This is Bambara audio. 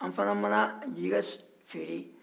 an fana mana jɛgɛ feere